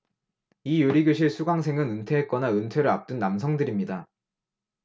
이 요리교실 수강생은 은퇴했거나 은퇴를 앞둔 남성들입니다